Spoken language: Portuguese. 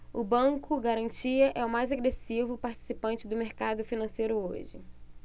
o banco garantia é o mais agressivo participante do mercado financeiro hoje